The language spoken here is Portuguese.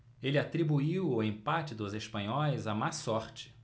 ele atribuiu o empate dos espanhóis à má sorte